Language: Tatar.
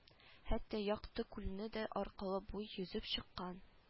Хәтта яктыкүлне дә аркылы-буй йөзеп чыккан